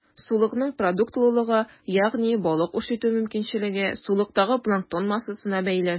Сулыкның продуктлылыгы, ягъни балык үрчетү мөмкинчелеге, сулыктагы планктон массасына бәйле.